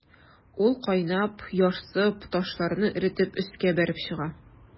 Ул кайнап, ярсып, ташларны эретеп өскә бәреп чыга.